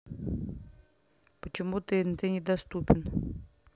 почему тнт не доступен